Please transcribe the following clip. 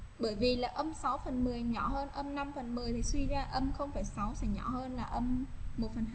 bởi vì là phần nhỏ hơn phần thì suy ra và nhỏ hơn là